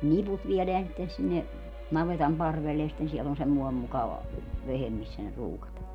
ne niput viedään sitten sinne navetan parvelle ja sitten siellä on semmoinen mukava vehje missä ne ruukataan